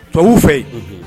Tubabuw fɛ yen, unhun